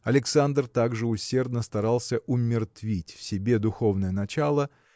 Александр так же усердно старался умертвить в себе духовное начало